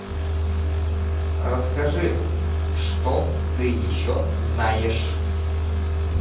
расскажи что ты еще знаешь